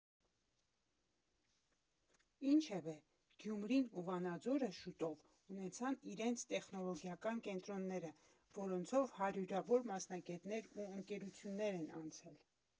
Ինչևէ, Գյումրին ու Վանաձորը շուտով ունեցան իրենց տեխնոլոգիական կենտրոնները, որոնցով հարյուրավոր մասնագետներ ու ընկերություններ են անցել։